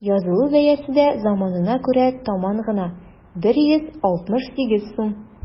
Язылу бәясе дә заманына күрә таман гына: 168 сум.